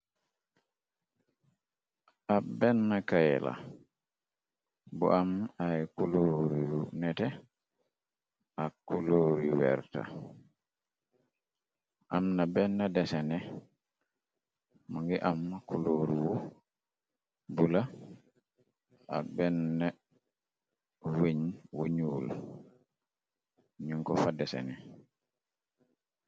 Ab benna kayla bu am ay kulooru yu nete ak kuloor yu werta am na benna desenex mongi am kulóor wu bulo ak benna weñ wu ñuul nun ko fa desenex.